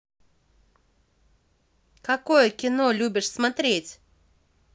какое кино любишь смотреть